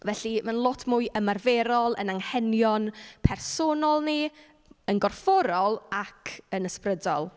Felly mae'n lot mwy ymarferol, ein anghenion personol ni, yn gorfforol ac yn ysbrydol.